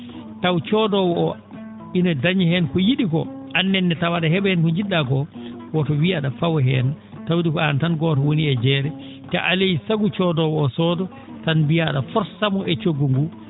taw coodoowo o ina dañi heen ko yi?i koo aan nenne tawa a?a he?i heen ko nji??aa koo woto wii a?a fawa heen tawde ko aan tan gooto woni e jeere te alaa e sago coodoowo oo sooda tan mbiyaa a?a forsa mo e coggu ngu